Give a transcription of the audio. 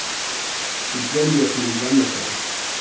vit gremja okkum um granna okkara